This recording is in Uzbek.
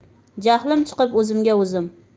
jahlim chiqib o'zimga o'zim